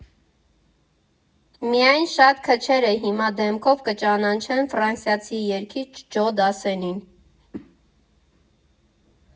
Միայն շատ քչերը հիմա դեմքով կճանաչեն ֆրանսիացի երգիչ Ջո Դասսենին։